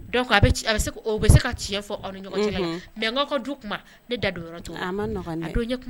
Se tiɲɛ fɔ ni ɲɔgɔn cɛ mɛ n ka du ne da don yɔrɔ